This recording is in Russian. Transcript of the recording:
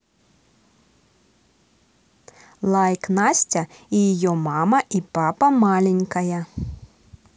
лайк настя и ее мама и папа маленькая